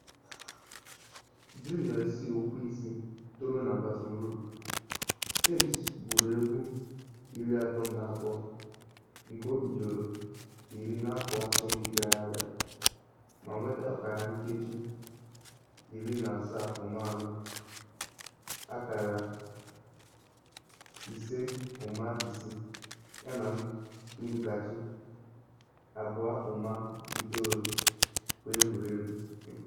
Junịọ 6-ụkwụ-6 toro na Baton Rouge, Sims gwuru egwuregwu 32 nke o bidoro 10 n’afọ asọmpi gara aga ma nweta ọkara nkeji 17.4, akara 5.6 yana nkụghachi 2.9 kwa egwuregwu.